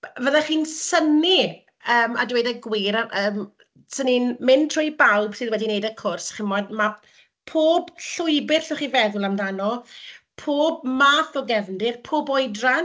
Fyddech chi'n synnu, yym a dweud y gwir, yym 'sen i'n mynd trwy bawb sydd wedi wneud y cwrs, chi'n gwybod, mae pob llwybr allwch chi feddwl amdano, pob math o gefndir, pob oedran.